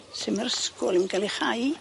Sim yr ysgol yn ga'l ei chau.